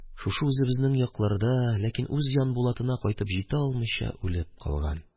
Шушы үзебезнең якларда , ләкин үз Янбулатына кайтып җитә алмыйча, үлеп калган.